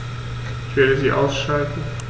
Ich werde sie ausschalten